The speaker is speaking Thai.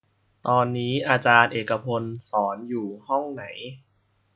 ตอนนี้อาจารย์เอกพลสอนอยู่ห้องไหน